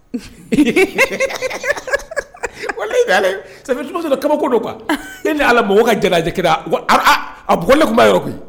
Sabu sɔrɔ kabako don e ala mɔgɔw ka jjɛ kira a ne tun' yɔrɔ